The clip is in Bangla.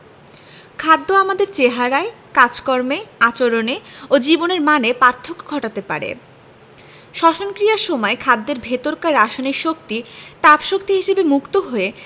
খাদ্য আমাদের চেহারায় কাজকর্মে আচরণে ও জীবনের মানে পার্থক্য ঘটাতে পারে শ্বসন ক্রিয়ার সময় খাদ্যের ভেতরকার রাসায়নিক শক্তি তাপ শক্তি হিসেবে মুক্ত হয়ে